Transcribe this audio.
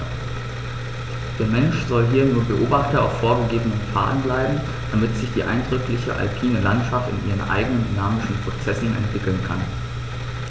Der Mensch soll hier nur Beobachter auf vorgegebenen Pfaden bleiben, damit sich die eindrückliche alpine Landschaft in ihren eigenen dynamischen Prozessen entwickeln kann.